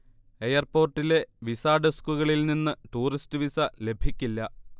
എയർപോര്ട്ടിലെ visa ഡെസ്കുകളില്നിന്ന് tourist visa ലഭിക്കില്ല